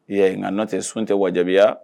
Ee nka n nɔ tɛ sun tɛ wajibiya